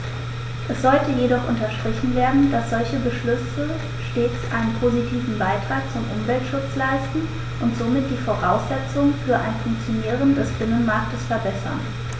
Es sollte jedoch unterstrichen werden, dass solche Beschlüsse stets einen positiven Beitrag zum Umweltschutz leisten und somit die Voraussetzungen für ein Funktionieren des Binnenmarktes verbessern.